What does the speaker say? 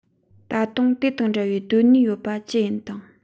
ད དུང དེ དང འདྲ བའི གདོད ནུས ཡོད པ ཅི ཡིན དང